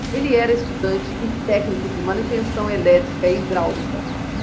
ele era estudante e técnico de manutenção elétrica e hidráulica